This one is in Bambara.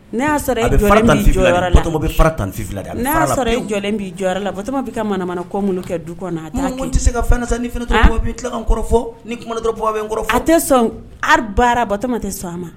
Ne y'a sara e jɔ tanfin fila y'a sɔrɔ e jɔlen'i jɔ la batoma bɛ kamana kɔ minnu kɛ du kɔnɔ tɛ se ka san kɔrɔ ni a tɛ sɔn a baara bato tɛ sɔn a ma